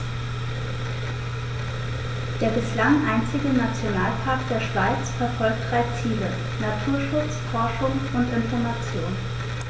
Der bislang einzige Nationalpark der Schweiz verfolgt drei Ziele: Naturschutz, Forschung und Information.